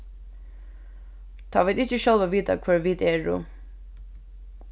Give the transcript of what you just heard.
tá vit ikki sjálvi vita hvørji vit eru